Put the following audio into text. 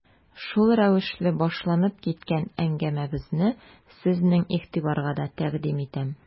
Шул рәвешле башланып киткән әңгәмәбезне сезнең игътибарга да тәкъдим итәм.